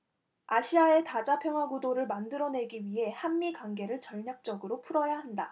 아시아의 다자 평화구도를 만들어 내기 위해 한 미 관계를 전략적으로 풀어야 한다